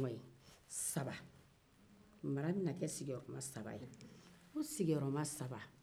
mara bɛna kɛ sigiyɔrɔma saba ye o sigiyɔrɔma saba